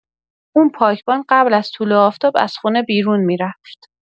اون پاکبان قبل از طلوع آفتاب از خونه بیرون می‌رفت.